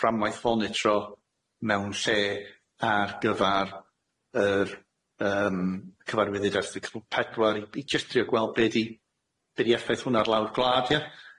fframwaith monitro mewn lle ar gyfar yr yym cyfarwyddyd erthyg cw' pedwar i i jyst drio gweld be' di be' di effaith hwnna ar lawr gwlad ia?